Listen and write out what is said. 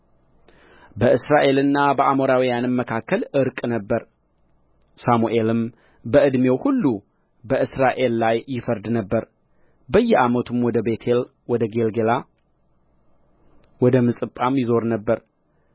በእስራኤልና በአሞራውያንም መካከል ዕርቅ ነበረ ሳሙኤልም በዕድሜው ሁሉ በእስራኤል ላይ ይፈርድ ነበር በየዓመቱም ወደ ቤቴል ወደ ጌልገላ ወደ ምጽጳም ይዞር ነበር